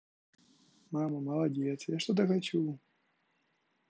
мама молодец я что то хочу